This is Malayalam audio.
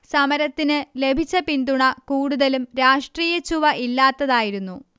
സമരത്തിന് ലഭിച്ച പിന്തുണ കൂടുതലും രാഷ്ട്രീയച്ചുവ ഇല്ലാത്തതായിരുന്നു